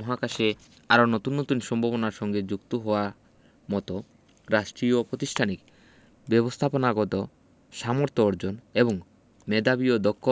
মহাকাশে আরও নতুন নতুন সম্ভাবনার সঙ্গে যুক্ত হওয়া মতো রাষ্ট্রীয় ও পতিষ্ঠানিক ব্যবস্থাপনাগত সামর্থ্য অর্জন এবং মেধাবী ও দক্ষ